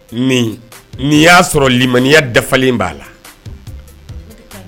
N n'i y'a sɔrɔlimaniya dafalen b'a la